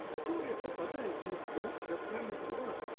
История попадает — не в бровь, а прямо в глаз.